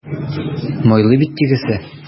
Майлы бит тиресе.